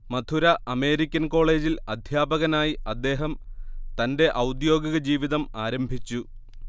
മധുര American കോളെജിൽ അദ്ധ്യാപകനായി അദ്ദേഹം തന്റെ ഔദ്യോഗിക ജീവിതം ആരംഭിച്ചു